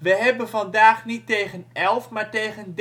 hebben vandaag niet tegen elf, maar tegen